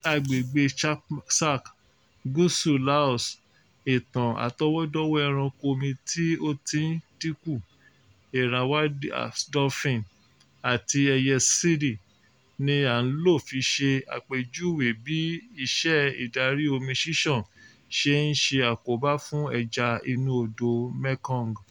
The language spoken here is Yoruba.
Ní agbègbè Champasak, gúúsù Laos, ìtàn àtọwọ́dọ́wọ́ọ ẹranko omi tí ó ti ń dínkù Irrawaddy dolphin àti ẹyẹ Sida ni a ń lò fi ṣe àpèjúwe bí iṣẹ́ ìdarí-omi-ṣíṣàn ṣe ń ṣe àkóbá fún ẹja inú odò Mekong.